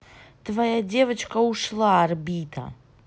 твоя девочка ушла орбита